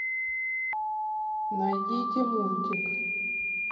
найдите мультик